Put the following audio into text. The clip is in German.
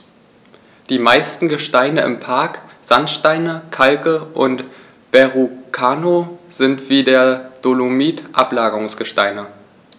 Die meisten Gesteine im Park – Sandsteine, Kalke und Verrucano – sind wie der Dolomit Ablagerungsgesteine.